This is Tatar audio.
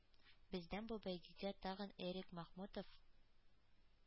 Бездән бу бәйгегә тагын Эрик Мәхмүтов,